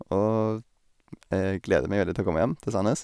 Og jeg gleder meg veldig til å komme hjem til Sandnes.